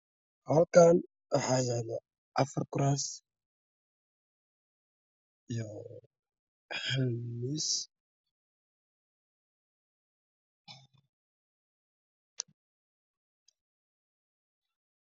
Waa qol waxaa yaalo kuraas iyo miisas darbiga waxaa ku xiran daah madow ah